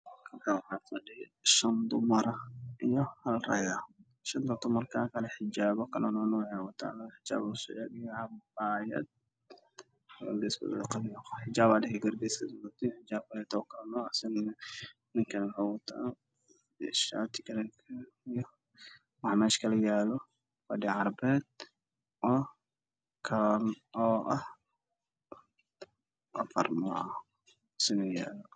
Waa hool waxaa iskugu imaaday naago waxa ay ku fadhiyaan kuraas gudoodan xijaabo ayey wataan